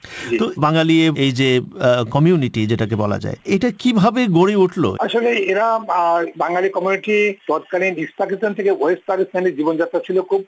বাঙালি এই যে কমিউনিটি এটাকে বলা যায় এটা কিভাবে গড়ে উঠলো আসলে এরা বাঙালি কমিউনিটি তৎকালীন ইস্ট পাকিস্তান থেকে ওয়েস্ট পাকিস্থানে জীবনযাত্রা ছিল খুব